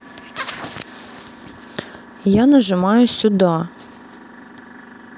я нажимаю сюда